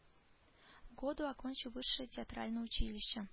В году окончил высшее театральное училище